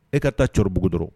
E ka taa cɛkɔrɔbabugu dɔrɔn